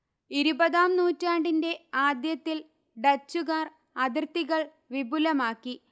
ഇരുപതാം നൂറ്റാണ്ടിന്റെ ആദ്യത്തിൽ ഡച്ചുകാർ അതിർത്തികൾ വിപുലമാക്കി